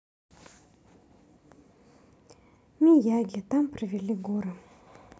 miyagi там провели горы